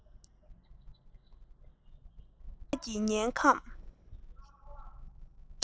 མུན ནག གི དམྱལ ཁམས